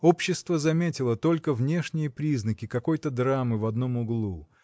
Общество заметило только внешние признаки какой-то драмы в одном углу.